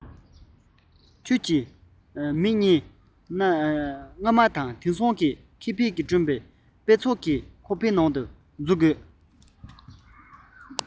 ཁྱོད ཀྱི མིག ཟུང གནའ དེང གི མཁས པས བསྐྲུན པའི དཔེ ཚོགས ཀྱི ཁོག པའི ནང འཛུལ དང